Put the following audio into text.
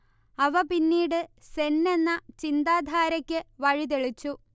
അവ പിന്നീട് സെൻ എന്ന ചിന്താധാരക്ക് വഴിതെളിച്ചു